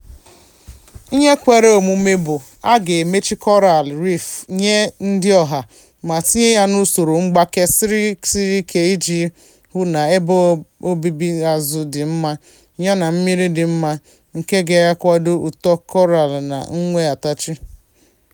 Ihe kwere omume bụ, a ga-emechi Koraalụ Reef nye ndị ọha ma tinye ya n'usoro mgbake siri ike iji hụ na ebe obibi azụ dị mma ya na mmiri dị mma nke ga-akwado uto koraalụ na nwetaghachị.